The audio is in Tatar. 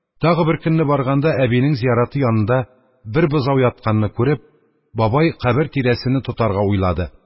Тагы беркөнне барганда, әбинең зияраты янында бер бозау ятканны күреп, бабай кабер тирәсене тотарга уйлады.